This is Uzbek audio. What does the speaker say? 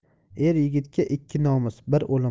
er yigitga ikki nomus bir o'lim